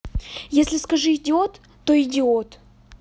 если скажи идиот то идиот